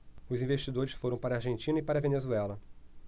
os investidores foram para a argentina e para a venezuela